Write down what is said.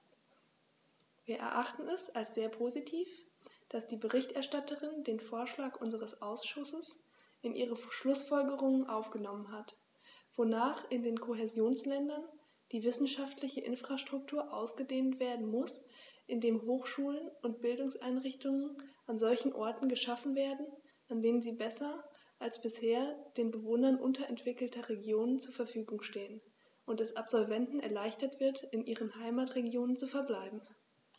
Wir erachten es als sehr positiv, dass die Berichterstatterin den Vorschlag unseres Ausschusses in ihre Schlußfolgerungen aufgenommen hat, wonach in den Kohäsionsländern die wissenschaftliche Infrastruktur ausgedehnt werden muss, indem Hochschulen und Bildungseinrichtungen an solchen Orten geschaffen werden, an denen sie besser als bisher den Bewohnern unterentwickelter Regionen zur Verfügung stehen, und es Absolventen erleichtert wird, in ihren Heimatregionen zu verbleiben.